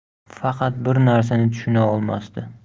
faqat bir narsani tushuna olmasdi